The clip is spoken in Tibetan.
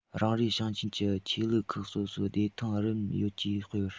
རང རེའི ཞིང ཆེན གྱི ཆོས ལུགས ཁག སོ སོ བདེ ཐང རིམ ཡོད ཀྱིས སྤེལ བར